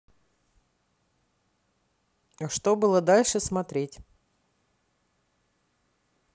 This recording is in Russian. что было дальше смотреть